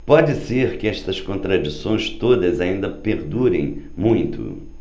pode ser que estas contradições todas ainda perdurem muito